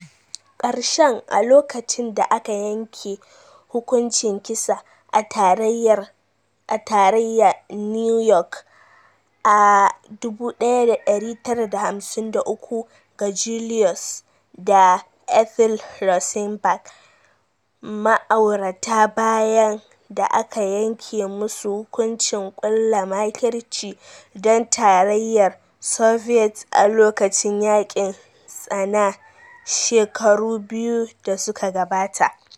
karshen a lokacin da aka yanke hukuncin kisa a tarayya New York a 1953 ga Julius da Ethel Rosenberg, ma'aurata bayan da aka yanke musu hukuncin kulla makirci don Tarayyar Soviet a lokacin Yakin Tsana shekaru biyu da suka gabata.